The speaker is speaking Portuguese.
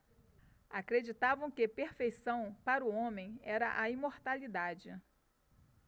acreditavam que perfeição para o homem era a imortalidade